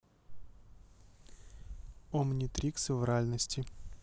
омнитрикс вральности